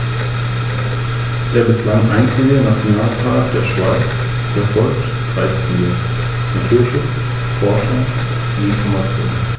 Sie dienen unter anderem als Ruhezonen für das Wild.